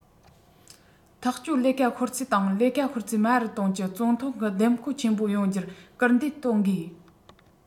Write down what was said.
ཐག གཅོད ལས ཀ ཤོར ཚད དང ལས ཀ ཤོར ཚད དམའ རུ གཏོང གྱི ཙུང ཐུང གི འདེམས བསྐོ ཆེན པོ ཡོང རྒྱུར སྐུལ འདེད གཏོང དགོས